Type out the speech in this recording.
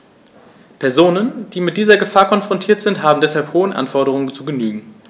Personen, die mit dieser Gefahr konfrontiert sind, haben deshalb hohen Anforderungen zu genügen.